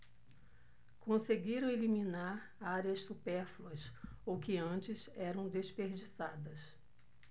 conseguiram eliminar áreas supérfluas ou que antes eram desperdiçadas